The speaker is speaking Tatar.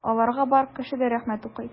Аларга бар кеше дә рәхмәт укый.